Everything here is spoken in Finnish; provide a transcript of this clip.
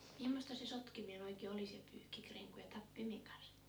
mimmoista se sotkeminen oikein oli sen pyykkikrenkun ja tappimen kanssa